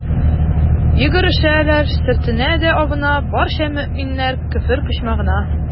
Йөгерешәләр, сөртенә дә абына, барча мөэминнәр «Көфер почмагы»на.